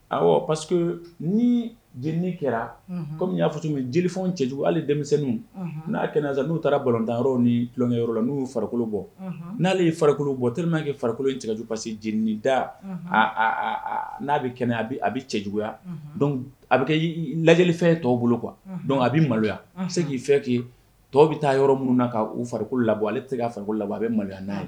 Parce ni j kɛra kɔmi y'a fɔ jeliele fɔ cɛju hali denmisɛnninw n'a kɛnɛ n'u taara batan yɔrɔ ni tulonlɔkɛyɔrɔ la n'uu farikolokolo bɔ n'ale ye farikolo bɔ tma kɛ farikolokolo in cɛju parce que jeli da n'a bɛ kɛnɛ a a bɛ cɛjuguya a bɛ kɛ lajɛlifɛn tɔw bolo kuwa dɔn a bɛ maloya bɛ se k'i fɛn' tɔw bɛ taa yɔrɔ minnu na' u farikolo la bɔ ale tɛ farikolo la a bɛ maloya n'a ye